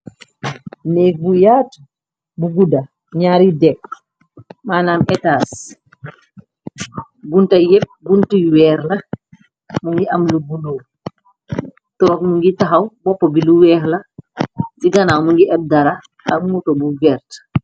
Néeg bu yaatu bu guda, ñyaari dekk, manaam etaas, bunta yépp buntu yu weer la, mu ngi am lu bula, truck mu ngi taxaw boppu bi lu weex la, ci ganaaw mu ngi eb dara ak muto bu vert.